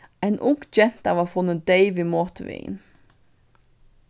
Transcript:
ein ung genta varð funnin deyð við motorvegin